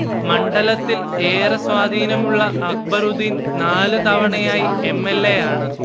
മണ്ഡലത്തിൽ ഏറെ സ്വാധീനമുള്ള അക്ബറുദ്ദീൻ നാല് തവണയായി എംഎൽഎയാണ്